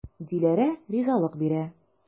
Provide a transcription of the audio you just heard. Диләрә ризалык бирә.